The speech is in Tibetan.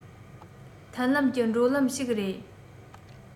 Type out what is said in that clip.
མཐུན ལམ གྱི བགྲོད ལམ ཞིག རེད